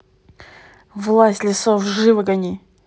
власть лесов живо гони